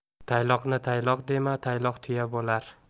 tayloqni tayloq dema tayloq tuya bo'lar